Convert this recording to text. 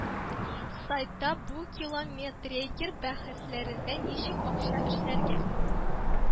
Сайтта букилометрекер бәхәсләрендә ничек акча эшләргә